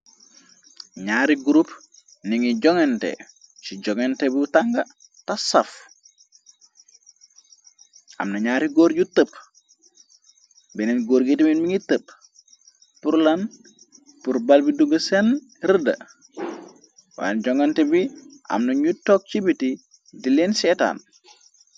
Ñaari grup ni ngi joŋgante, ci jongante bu tànga tasaf, amna ñaari góor yu tëp, beneen góor gi temin mi ngi tëpp purland purbal bi dugga seen rëdda, waay joŋgante bi amna ñu tog ci biti di leen sietaan.